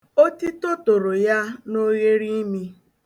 Otito toro ya n'ogheriimi.